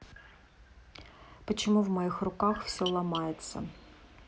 почему в моих руках все ломается